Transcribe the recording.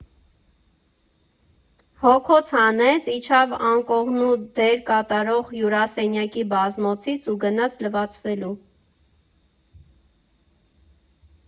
Հոգոց հանեց, իջավ անկողնու դեր կատարող հյուրասենյակի բազմոցից ու գնաց լվացվելու։